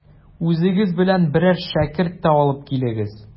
Үзегез белән берәр шәкерт тә алып килегез.